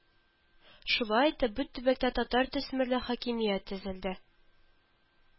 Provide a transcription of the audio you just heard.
Шулай итеп бу төбәктә татар төсмерле хакимият төзелде